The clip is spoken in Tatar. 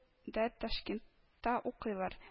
Дә ташкент та укыйлар